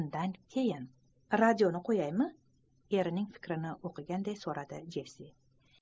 undan keyinradioni qo'yaymierining fikrini o'qiganday so'radi jessi